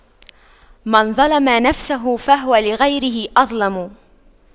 من ظَلَمَ نفسه فهو لغيره أظلم